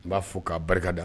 N b'a fo k'a barika da